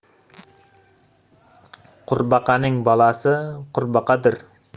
qurbaqaning bolasi qurbaqadir